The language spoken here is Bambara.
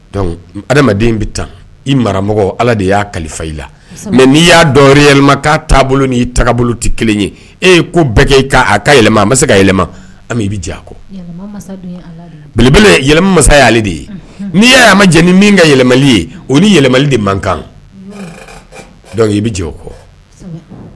Adamaden bɛ taa i mara ala de y'a kalifa i la mɛ n'i y'a dɔn yɛlɛma ka taabolo ni taabolo tɛ kelen ye e ye ko bɛɛ kɛ k' a ka yɛlɛma a ma se ka yɛlɛma i bɛ jɛkɔ belebele masaya aleale de ye n'i y' ya ma jɛ ni min ka yɛlɛ ye o ni yɛlɛ de man kan dɔnku i bɛ jɛ o kɔ